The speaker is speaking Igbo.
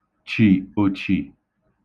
chì òchì